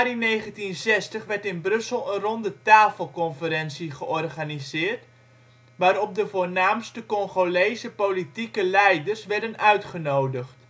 1960 werd in Brussel een ronde-tafel conferentie georganiseerd, waarop de voornaamste Congolese politieke leiders werden uitgenodigd